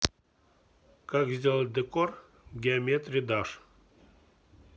как сделать декор в geometry dash